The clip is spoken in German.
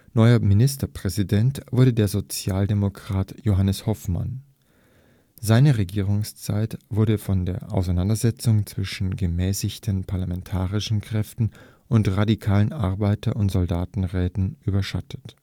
Neuer Ministerpräsident wurde der Sozialdemokrat Johannes Hoffmann. Seine Regierungszeit wurde von der Auseinandersetzung zwischen gemäßigten parlamentarischen Kräften und radikalen Arbeiter - und Soldatenräten überschattet